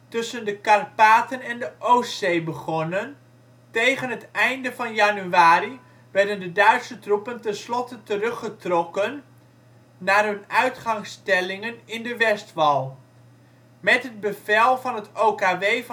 tussen de Karpaten en de Oostzee begonnen. Tegen het einde van januari werden de Duitse troepen tenslotte teruggetrokken naar hun uitgangsstellingen in de Westwall. Met het bevel van het OKW van 24